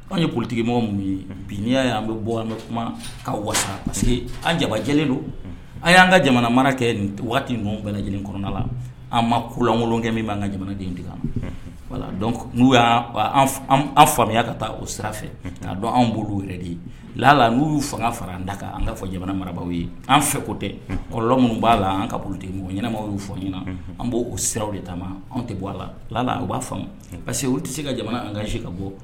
Anw ye ptigima ye biya y' an bɛ bɔ an bɛ kuma ka wa que an jabajɛlen don an y'an ka jamana mana kɛ waati ninnu bɛɛ lajɛlen kɔnɔna la an ma kulankolon kɛ min b'an ka jamana den tigɛ wala n'u faamuya ka taa o sira fɛ k'a dɔn an bolo yɛrɛ de ye la la n'u y'u fanga fara an da kan an kaa fɔ jamana marabaw ye an fɛ ko tɛlɔ minnu b'a la an ka boloden bɔ ɲɛnama y' fɔ ɲɛna an b' o siraw de taama anw tɛ bɔ a la la u b'a faamu parce que u tɛ se ka jamana an kasi ka bɔ